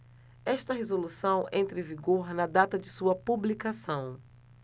esta resolução entra em vigor na data de sua publicação